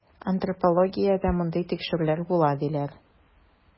Антропологиядә мондый тикшерүләр була, диләр.